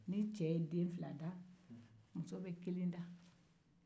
ni cɛ ye den fila tɔgɔ da muso bɛ kelen da